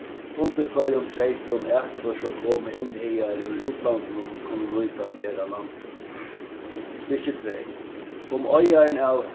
undir hvørjum treytum akfør so koma inn higar úr útlandinum kunnu nýtast her á landi stykki tvey um eigarin av